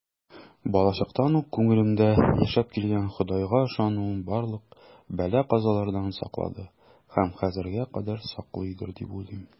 Балачактан ук күңелемдә яшәп килгән Ходайга ышануым барлык бәла-казалардан саклады һәм хәзергә кадәр саклыйдыр дип уйлыйм.